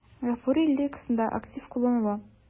Гафури лирикасында актив кулланыла.